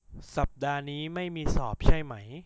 สัปดาห์นี้ไม่มีสอบใช่ไหม